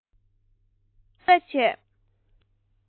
གསུམ པོ རེ རེ བཞིན ཞིབ ལྟ བྱས